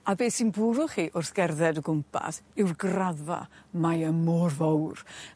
A be' sy'n bwrw chi wrth gerdded o gwmpas yw'r graddfa mae e mor fowr